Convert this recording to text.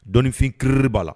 Dɔnifin kiiriri b'a la